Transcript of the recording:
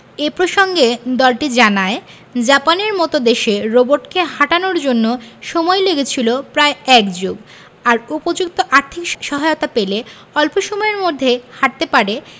এ প্রসঙ্গে দলটি জানায় জাপানের মতো দেশে রোবটকে হাঁটানোর জন্য সময় লেগেছিল প্রায় এক যুগ আর উপযুক্ত আর্থিক সহায়তা পেলে অল্প সময়ের মধ্যেই হাঁটতে পারে